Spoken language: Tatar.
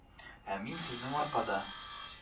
Ә мин сезнең аркада